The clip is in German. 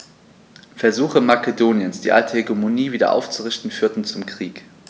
Versuche Makedoniens, die alte Hegemonie wieder aufzurichten, führten zum Krieg.